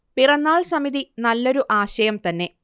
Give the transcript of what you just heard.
പിറന്നാൾ സമിതി നല്ലൊരു ആശയം തന്നെ